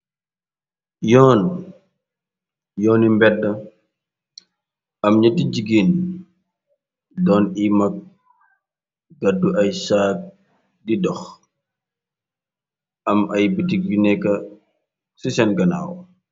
Yoon yooni mbedt am nati jigiin doon i mag gaddu ay saak di dox am ay bitig yu nekka ci seen ganaaw.